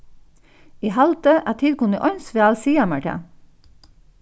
eg haldi at tit kunnu eins væl siga mær tað